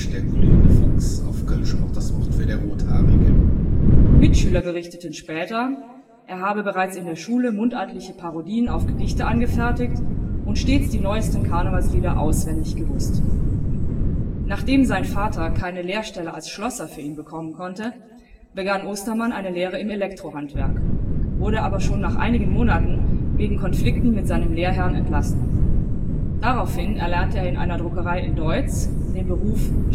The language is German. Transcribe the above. Fuchs “, auf Kölsch auch das Wort für „ der Rothaarige “). Mitschüler berichteten später, er habe bereits in der Schule mundartliche Parodien auf Gedichte angefertigt und stets die neuesten Karnevalslieder auswendig gewusst. Nachdem sein Vater keine Lehrstelle als Schlosser für ihn bekommen konnte, begann Ostermann eine Lehre im Elektrohandwerk, wurde aber schon nach einigen Monaten wegen Konflikten mit seinem Lehrherrn entlassen. Daraufhin erlernte er in einer Druckerei in Deutz den Beruf Stereotypeur